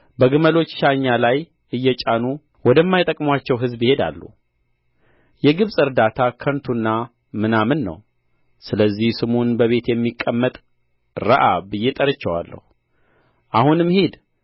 በግመሎች ሻኛ ላይ እየጫኑ ወደማይጠቅሙአቸው ሕዝብ ይሄዳሉ የግብጽ እርዳታ ከንቱና ምናምን ነው ስለዚህ ስሙን በቤት የሚቀመጥ ረዓብ ብዬ ጠርቼዋለሁ አሁንም ሂድ